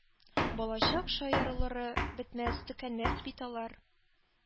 Балачак шаярулары бетмәс-төкәнмәс бит алар...